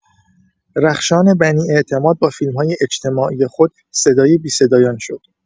رخشان بنی‌اعتماد با فیلم‌های اجتماعی خود صدای بی‌صدایان شد.